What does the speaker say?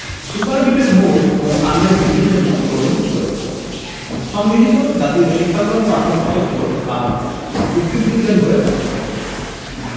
সুপারবিট এর মূল এবং কাণ্ডের বৃদ্ধির জন্য ক্লোরিন প্রয়োজন সংগৃহীত জাতীয় শিক্ষাক্রম ও পাঠ্যপুস্তক বোর্ড বাংলাদেশ উদ্ভিদ বিজ্ঞান বই এর অন্তর্ভুক্ত